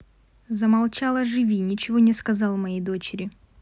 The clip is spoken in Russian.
замолчала живи ничего не сказал моей дочери